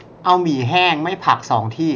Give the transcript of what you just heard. เอาหมี่แห้งไม่ผักสองที่